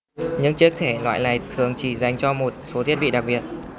những chiếc thẻ loại này thường chỉ dành cho một số thiết bị đặc biệt